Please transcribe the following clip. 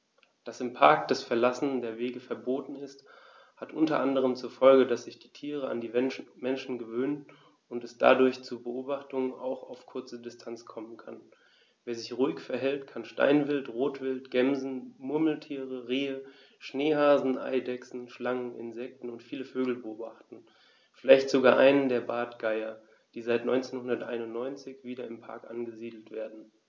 Dass im Park das Verlassen der Wege verboten ist, hat unter anderem zur Folge, dass sich die Tiere an die Menschen gewöhnen und es dadurch zu Beobachtungen auch auf kurze Distanz kommen kann. Wer sich ruhig verhält, kann Steinwild, Rotwild, Gämsen, Murmeltiere, Rehe, Schneehasen, Eidechsen, Schlangen, Insekten und viele Vögel beobachten, vielleicht sogar einen der Bartgeier, die seit 1991 wieder im Park angesiedelt werden.